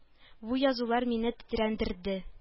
Бу язулар мине тетрәндерде